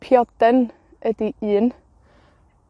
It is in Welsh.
Pioden ydi un.